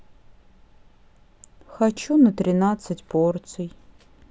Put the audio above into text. хочу на тринадцать порций